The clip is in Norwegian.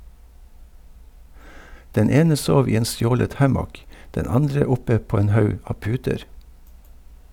Den ene sov i en stjålet hammock, den andre oppe på en haug av puter.